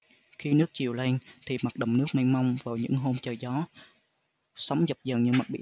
khi nước triều lên thì mặt đầm nước mênh mông vào những hôm trời gió sóng dập dờn như mặt biển